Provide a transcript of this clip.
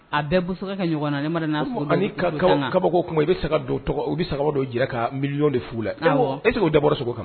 A bɛɛ ka ɲɔgɔn na ne ma n'a fɔ kaba i bɛ saga tɔgɔ i bɛ sababu dɔw jira ka mi de' la e o da bɔra sogo kan